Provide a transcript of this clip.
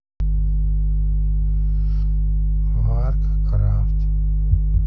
warcraft